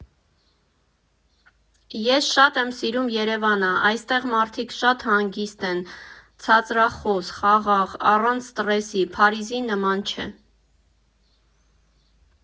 Ես շատ եմ սիրում Երևանը, այստեղ մարդիկ շատ հանգիստ են, ցածրախոս, խաղաղ, առանց սթրեսի, Փարիզի նման չէ։